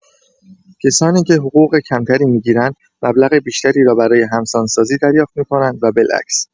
کسانی که حقوق کم‌تری می‌گیرند، مبلغ بیشتری را برای همسان‌سازی دریافت می‌کنند و بالعکس.